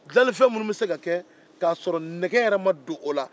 dilanni fɛn minnu bɛ se ka kɛ ka sɔrɔ nɛgɛ yɛrɛ ma don o la